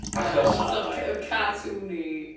Achos ...so f- ca- cartoony.